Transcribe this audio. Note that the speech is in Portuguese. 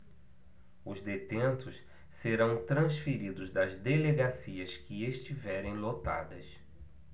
os detentos serão transferidos das delegacias que estiverem lotadas